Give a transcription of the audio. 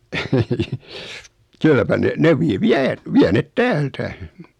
kylläpä ne ne - vie vie ne täältä